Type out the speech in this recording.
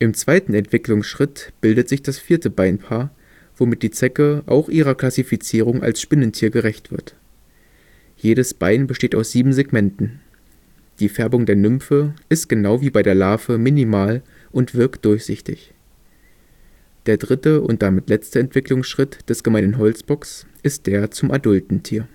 zweiten Entwicklungsschritt bildet sich das 4. Beinpaar, womit die Zecke auch ihrer Klassifizierung als Spinnentier gerecht wird. Jedes Bein besteht aus sieben Segmenten. Die Färbung der Nymphe ist genau wie bei der Larve minimal und wirkt durchsichtig. Der dritte und damit letzte Entwicklungsschritt des Gemeinen Holzbocks ist der zum adulten Tier